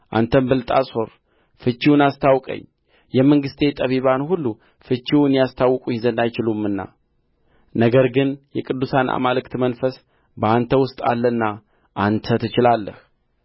አንተም ብልጣሶር ፍቺውን አስታውቀኝ የመንግሥቴ ጠቢባን ሁሉ ፍቺውን ያስታውቁኝ ዘንድ አይችሉምና ነገር ግን የቅዱሳን አማልክት መንፈስ በአንተ ውስጥ አለና አንተ ትችላለህ